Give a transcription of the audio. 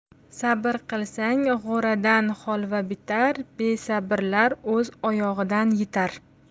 sabr qilsang g'o'radan holva bitar besabrlar o'z oyog'idan yitar